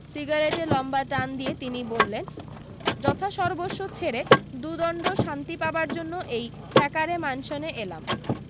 সিগারেটে লম্বা টান দিয়ে তিনি বললেন যথাসর্বস্ব ছেড়ে দুদণ্ড শান্তি পাবার জন্য এই থ্যাকারে ম্যানসনে এলাম